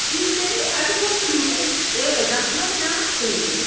She was there as a bombshell. You're there to stir. 'Na... dyna be wnaeth hi.